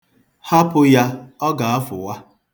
Hapụ ya, ọ ga-afụwa.